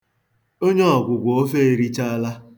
Onye ọgwụgwọ ofe erichaala.